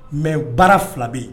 Mɛ baara fila bɛ yen